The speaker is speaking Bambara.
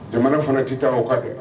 Jamana fana ci taa o ka kɛ